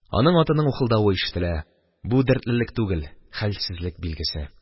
Аның атының ухылдавы ишетелә – бу дәртлелек түгел, хәлсезлек билгесе.